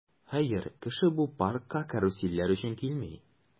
Хәер, кешеләр бу паркка карусельләр өчен килми.